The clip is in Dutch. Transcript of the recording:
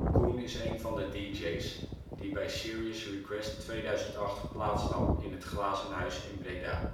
Coen is een van de dj 's die bij Serious Request 2008 plaatsnam in het glazen huis in Breda